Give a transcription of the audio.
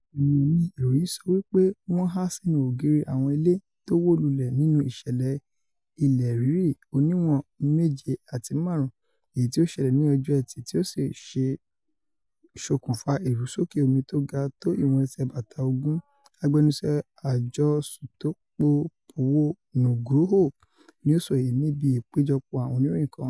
Ọ̀pọ̀ ènìyàn ní ìròyìn sọ wí pé wọ́n há sínú ògiri àwọn ilé tó wó lulẹ̀ nínú ìṣẹ̀lẹ̀ ilẹ̀ rírì oníwọ̀n 7.5 èyití ó ṣẹlẹ̀ ní ọjọ́ ẹtì tí ó sì ṣokùnfà ìrusókè omi tóga tó ìwọ̀n ẹsẹ̀ bàtà ogún, agbẹnusọ àjọ Sutopo Purwo Nugroho ni o sọ èyí níbi ìpéjọpọ̀ àwọn oníròyìn kan.